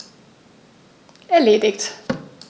Erledigt.